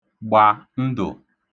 gbà ndụ̀